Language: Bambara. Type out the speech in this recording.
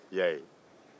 i y'a ye